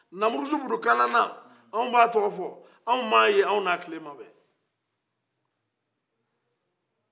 namurusu buni kalana anw bɛ a tɔgɔ fɔ anw ma a ye anw ni a tile ma bɛ